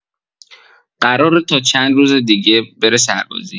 قراره تا چند روز دیگه بره سربازی